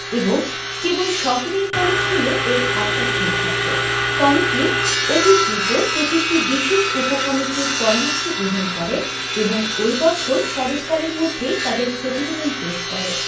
এবং কেবল শহরের কলেজগুলো এর আওতাধীন থাকবে কমিটি অতি দ্রুত ২৫টি বিশেষ উপকমিটির পরামর্শ গ্রহণ করে এবং ওই বছর শরৎকালের মধ্যেই তাদের প্রতিবেদন পেশ করে